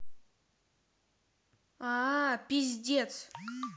а пиздец